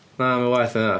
Na, mae'n waeth na hynna.